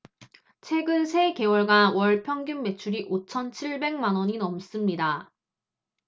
최근 세 개월간 월 평균 매출이 오 천 칠 백만 원이 넘습니다